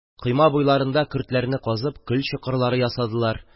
Койма буйларында, көртләрне казып, көл чокырлары ясадылар.